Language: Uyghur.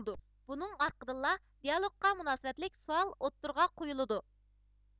بۇنىڭ ئارقىدىنلا دىئالوگقا مۇناسىۋەتلىك سوئال ئوتتۇرىغا قويۇلىدۇ